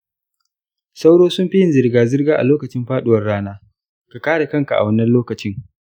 sauro sunfi yin zirga-zirga a lokacin faduwar rana; ka kare kanka a wannan lokacin.